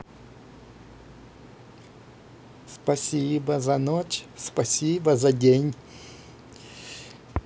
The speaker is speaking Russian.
спасибо за ночь спасибо за день